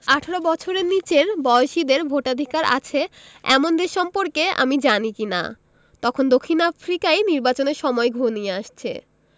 ১৮ বছরের নিচের বয়সীদের ভোটাধিকার আছে এমন দেশ সম্পর্কে আমি জানি কি না তখন দক্ষিণ আফ্রিকায় নির্বাচনের সময় ঘনিয়ে আসছে